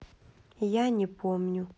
я не помню